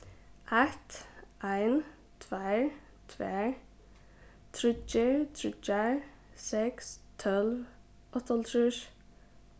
eitt ein tveir tvær tríggir tríggjar seks tólv áttaoghálvtrýss